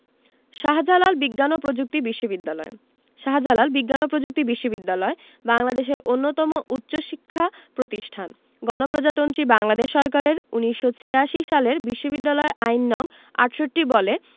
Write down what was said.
শাহ্জালাল বিজ্ঞান ও প্রযুক্তি বিশ্ববিদ্যালয় শাহ্জালাল বিজ্ঞান ও প্রযুক্তি বিশ্ববিদ্যালয় বাংলাদেশের অন্যতম উচ্চশিক্ষা প্রতিষ্ঠান গণপ্রজাতন্ত্রী বাংলাদেশ সরকারের ১৯৮৬ সালের বিশ্ববিদ্যালয় আইন নং ৬৮ বলে